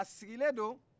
a sigilen don